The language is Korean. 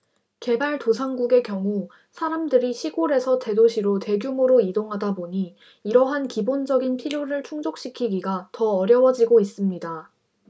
개발도상국의 경우 사람들이 시골에서 대도시로 대규모로 이동하다 보니 이러한 기본적인 필요를 충족시키기가 더 어려워지고 있습니다